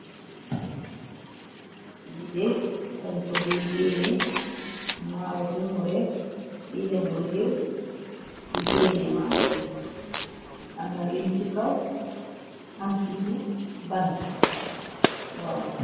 Lide dañ ko de geene maalo su ñure li lañu jëg di geene malo bi amna weñ ci kaw an sisuf bantawaaw.